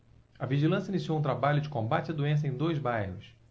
a vigilância iniciou um trabalho de combate à doença em dois bairros